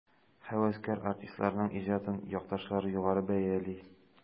Һәвәскәр артистларның иҗатын якташлары югары бәяли.